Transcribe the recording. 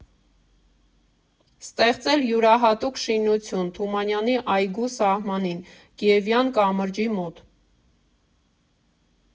Ստեղծել յուրահատուկ շինություն Թումանյանի այգու սահմանին՝ Կիևյան կամրջի մոտ։